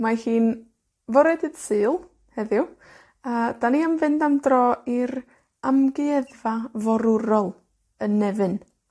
Mae hi'n bore dydd Sul, heddiw, a 'dan ni am fynd am dro i'r amgueddfa forwrol yn Nefyn,